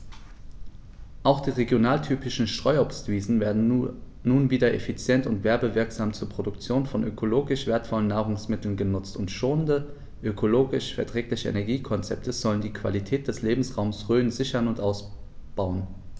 Auch die regionaltypischen Streuobstwiesen werden nun wieder effizient und werbewirksam zur Produktion von ökologisch wertvollen Nahrungsmitteln genutzt, und schonende, ökologisch verträgliche Energiekonzepte sollen die Qualität des Lebensraumes Rhön sichern und ausbauen.